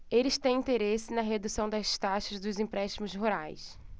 eles têm interesse na redução das taxas nos empréstimos rurais